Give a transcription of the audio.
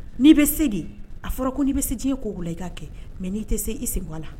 N'i bɛ se a fɔra ko n'i bɛ se diɲɛ ye ko' bila i ka kɛ mɛ n'i tɛ se i sen a la